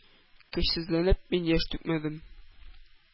Көчсезләнеп, мин яшь түкмәдем.